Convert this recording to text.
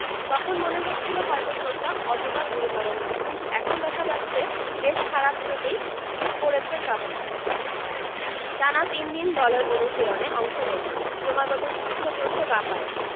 তখন মনে হচ্ছিল হয়তো চোটটা অতটা গুরুতর নয় কিন্তু এখন দেখা যাচ্ছে বেশ খারাপ চোটেই পড়েছেন কাভানি টানা তিন দিন দলের অনুশীলনে অংশ নেননি ক্রমাগত চিকিৎসা চলছে বাঁ পায়ে